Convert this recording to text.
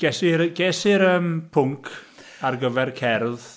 Ges i'r... ges i'r yym pwnc ar gyfer cerdd...